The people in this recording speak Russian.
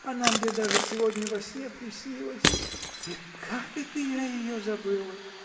Она мне даже сегодня во сне приснилась. И как это я ее забыла!